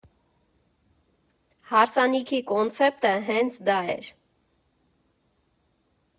Հարսանիքի կոնցեպտը հենց դա էր.